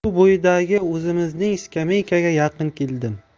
suv bo'yidagi o'zimizning skameykaga yaqin keldim